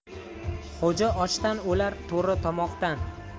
xo'ja ochdan o'lar to'ra tomoqdan